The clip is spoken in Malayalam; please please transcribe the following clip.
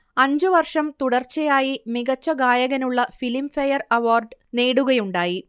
അഞ്ചുവർഷം തുടർച്ചയായി മികച്ചഗായകനുള്ള ഫിലിംഫെയർ അവാർഡ് നേടുകയുണ്ടായി